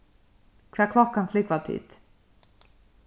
hvat klokkan flúgva tit